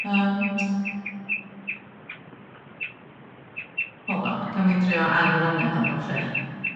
Yym hold on, ca'l mi drio ail rannu hwn efo chi.